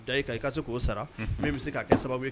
Da i' se k'o sara min bɛ se' kɛ sababu ye